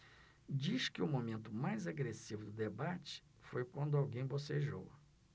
diz que o momento mais agressivo do debate foi quando alguém bocejou